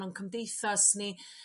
o'n cymdeithas ni